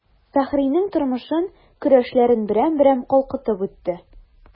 Фәхринең тормышын, көрәшләрен берәм-берәм калкытып үтте.